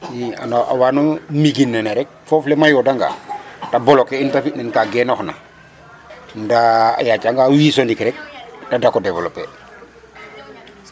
II a waan o migin nene rek foof le mayoodanga ta bloquer in ta fi' nen ka genooxna ndaa a yaacanga wis o ndik rek te dak o développer.